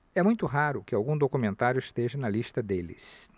é muito raro que algum documentário esteja na lista deles